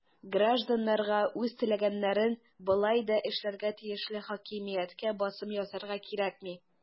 Гражданнарга үз теләгәннәрен болай да эшләргә тиешле хакимияткә басым ясарга кирәкми.